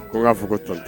Ko k'a fɔ ko tɔnt